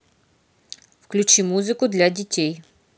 включи музыку для детей